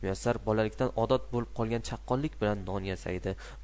muyassar bolalikdan odat bo'lib qolgan chaqqonlik bilan non yasaydi